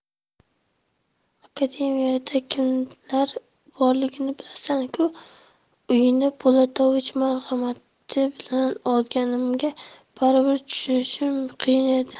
akademiyada kimlar borligini bilasan ku uyni po'latovich marhamati bilan olganimda baribir turishim qiyin edi